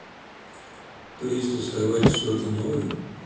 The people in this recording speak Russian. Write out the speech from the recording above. то есть уставать что то новое